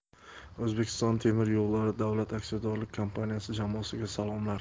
o'zbekiston temir yo'llari davlat aksiyadorlik kompaniyasi jamoasiga salomlar